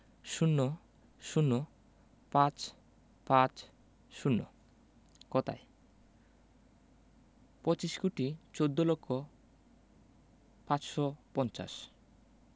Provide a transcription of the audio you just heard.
০০ ৫৫০ কথায়ঃ পঁচিশ কোটি চৌদ্দ লক্ষ পাঁচশো পঞ্চাশ